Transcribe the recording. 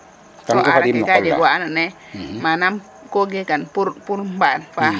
Soo aaraa ke kaa jegaa wa andoona yee manaam ko geektan pour mbaan fa.